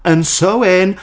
And sewing.